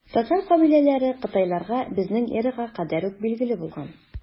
Татар кабиләләре кытайларга безнең эрага кадәр үк билгеле булган.